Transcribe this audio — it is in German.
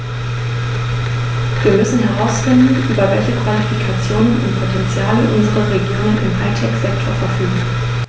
Wir müssen herausfinden, über welche Qualifikationen und Potentiale unsere Regionen im High-Tech-Sektor verfügen.